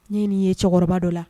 N ye nin ye cɛkɔrɔba dɔ la